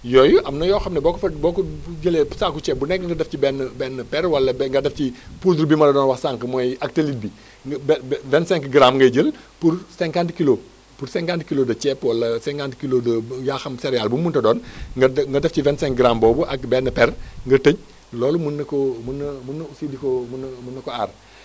yooyu am na yoo xam ne boo ko fa boo ko jëlee saako ceeb bu nekk nga def ci benn benn benn per wala be nga def ci poudre bi ma la doon wax sànq mooy actélite bi be be 25 gramme ngay jël pour 50 kilo pour 50 kilo de ceeb wala 50 kilo de yaa xam céréale bu mu mënta doon nga def ci 25 gramme boobu ak benn per nga tëj loolu mën na ko mën na mën na aussi di ko mën na mën na ko aar